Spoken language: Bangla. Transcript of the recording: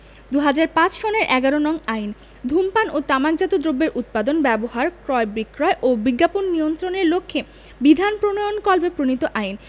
২০০৫ সনের ১১ নং আইন ধূমপান ও তামাকজাত দ্রব্যের উৎপাদন ব্যবহার ক্রয় বিক্রয় ও বিজ্ঞাপন নিয়ন্ত্রণের লক্ষ্যে বিধান প্রণয়নকল্পে প্রণীত আইন